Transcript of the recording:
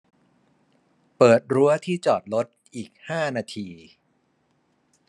เปิดรั้วที่จอดรถอีกห้านาที